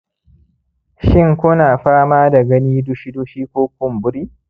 shin ku na fama da gani dushi-dushi ko kumburi